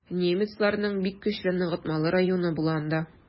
Немецларның бик көчле ныгытмалы районы була анда.